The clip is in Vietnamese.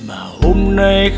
mà hôm nay